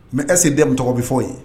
Mais est-ce que dɛmɛ tɔgɔ bɛ fɔ yen?